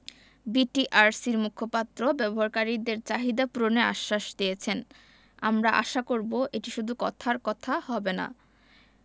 বিটিআরসির মুখপাত্র ব্যবহারকারীদের চাহিদা পূরণের আশ্বাস দিয়েছেন আমরা আশা করব এটা শুধু কথার কথা হবে না